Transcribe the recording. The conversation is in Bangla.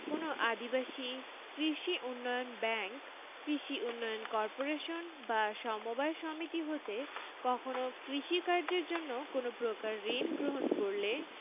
কোন আদিবাসী কৃষি উন্নয়ন ব্যাংক কৃষি উন্নয়ন কর্পোরেশন বা সমবায় সমিতি হতে কখনো কৃষি কায্যের জন্য কোন প্রকার ঋণ গ্রহণ করলে